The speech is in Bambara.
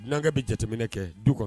N'ankɛ bɛ jateminɛ kɛ du kɔnɔ